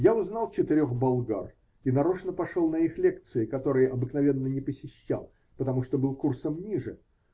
Я узнал четырех болгар и нарочно пошел на их лекции, которые обыкновенно не посещал, потому что был курсом ниже